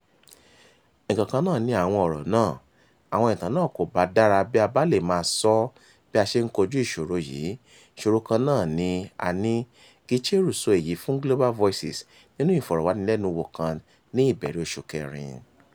Nǹkan kan náà ni àwọn ọ̀rọ̀ náà, àwọn ìtàn náà kò bá dára bí a bá lè máa sọ bí a ṣe ń kojú ìṣòro yìí; ìṣòro kan náà ni a ní,” Gicheru sọ èyí fún Global Voices nínú Ìfọ̀rọ̀wánilẹ́nuwò kan ní ìbẹ̀rẹ̀ oṣù kẹrin.